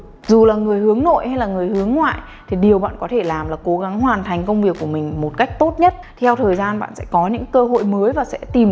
dù là người hướng nội hay là người hướng ngoại thì điều bạn có thể làm là cố gắng hoàn thành công việc của mình một cách tốt nhất theo thời gian bạn sẽ có những cơ hội mới và sẽ tìm ra